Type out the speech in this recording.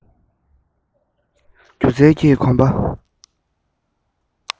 སྒྱུ རྩལ གྱི གོམ པ